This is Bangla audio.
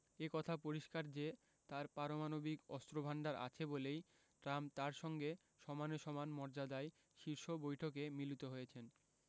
এ কথা পরিষ্কার যে তাঁর পারমাণবিক অস্ত্রভান্ডার আছে বলেই ট্রাম্প তাঁর সঙ্গে সমানে সমান মর্যাদায় শীর্ষ বৈঠকে মিলিত হয়েছেন